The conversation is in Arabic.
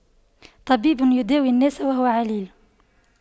طبيب يداوي الناس وهو عليل